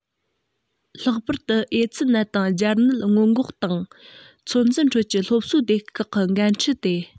ལྷག པར དུ ཨེ ཙི ནད དང སྦྱར ནད སྔོན འགོག དང ཚོད འཛིན ཁྲོད ཀྱི སློབ གསོའི སྡེ ཁག གི འགན འཁྲི སྟེ